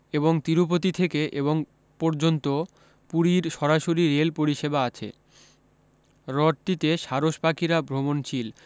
এবং তিরুপতি থেকে এবং পর্যন্ত পুরীর সরাসরি রেল পরিসেবা আছে হরদটিতে সারসপাখিরা ভ্রমণশীল